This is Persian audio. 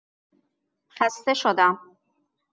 خسته شدم!